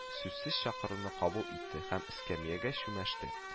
Сүзсез чакыруны кабул итте һәм эскәмиягә чүмәште